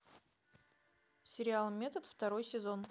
сериал метод второй сезон